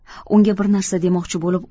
unga bir narsa demoqchi bo'lib